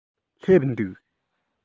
སླེབས འདུག